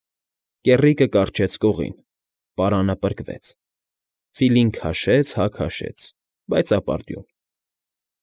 Կեռիկը կառչեց կողին, պարանը պրկվեց, Ֆիլին քաշեց հա քաշեց, բայց ապարդյուն։